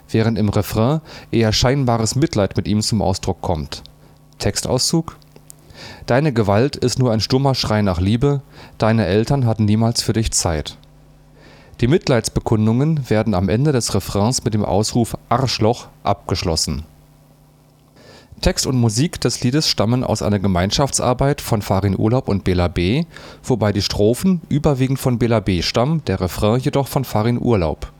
während im Refrain eher scheinbares Mitleid mit ihm zum Ausdruck kommt (Textauszug: „ Deine Gewalt ist nur ein stummer Schrei nach Liebe […] Deine Eltern hatten niemals für dich Zeit “). Die Mitleidsbekundungen werden am Ende des Refrains mit dem Ausruf „ Arschloch! “abgeschlossen. Text und Musik des Liedes stammen aus einer Gemeinschaftsarbeit von Farin Urlaub und Bela B., wobei die Strophen überwiegend von Bela B. stammen, der Refrain jedoch von Farin Urlaub